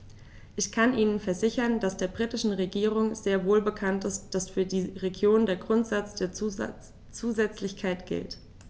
Ich kann Ihnen versichern, dass der britischen Regierung sehr wohl bekannt ist, dass für die Regionen der Grundsatz der Zusätzlichkeit gilt.